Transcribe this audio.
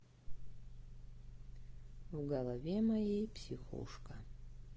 в голове моей психушка